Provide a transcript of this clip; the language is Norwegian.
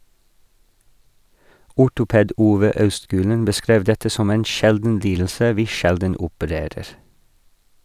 Ortoped Ove Austgulen beskrev dette som en "sjelden lidelse vi sjelden opererer".